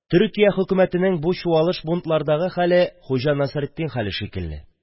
Төркия хөкүмәтенең бу чуалыш-бунтлардагы хәле Хуҗа Насретдин хәле шикелле.